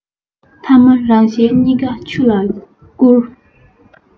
ཐ མ རང གཞན གཉིས ཀ ཆུ ལ བསྐུར